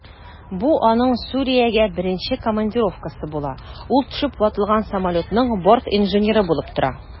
Бу аның Сүриягә беренче командировкасы була, ул төшеп ватылган самолетның бортинженеры булып тора.